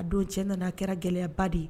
A don cɛ nana a kɛra gɛlɛyaba de ye